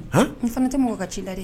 Han, n fana tɛ mɔgɔ ka ci la dɛ